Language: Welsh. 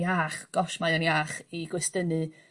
iach gosh mae o'n iach i gwestynu